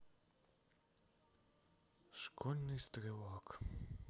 школьный стрелок